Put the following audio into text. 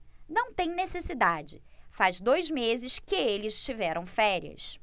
não tem necessidade faz dois meses que eles tiveram férias